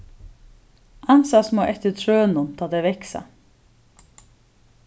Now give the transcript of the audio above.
ansast má eftir trøunum tá tey vaksa